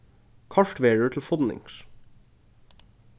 koyrt verður til funnings